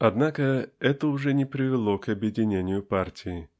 Однако это уже не привело к объединению партии.